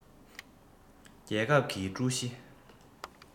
རྒྱལ ཁབ ཀྱི ཀྲུའུ ཞི